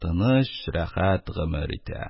Тыныч, рәхәт гомер итә.